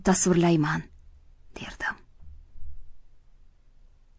tasvirlayman derdim